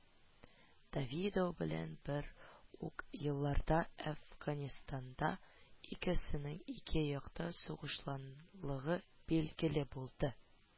Давидо белән бер үк елларда Әфганстанда икесенең ике якта сугышканлыгы билгеле булды